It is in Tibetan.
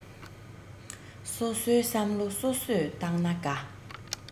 སོ སོའི བསམ བློ སོ སོས བཏང ན དགའ